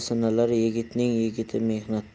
sinalar yigitning yigiti mehnatda